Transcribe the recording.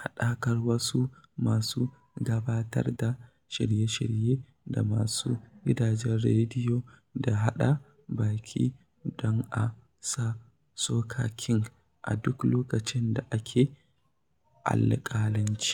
haɗakar wasu masu gabatar da shirye-shirye da masu gidajen rediyo - da haɗa baki don a sa "Soca Kingdom" a duk lokacin da ake alƙalanci.